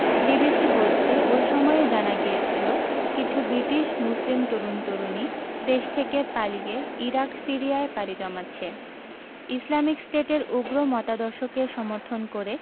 BBC বলছে ওই সময়ই জানা গিয়েছিল কিছু ব্রিটিশ মুসলিম তরুণ তরুণী দেশ থেকে পালিয়ে ইরাক সিরিয়ায় পাড়ি জমাচ্ছে ইসলামিক স্টেটের উগ্র মতাদর্শকে সমর্থন করে